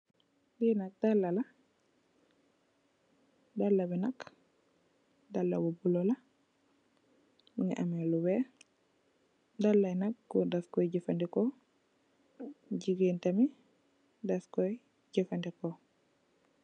Li nak daal la, daal la bi nak daal bu bulo la. Mungi ameh lu weeh, daal yi nak gòor daf koy jafadeko, jigéen tamit daf koy jafadeko.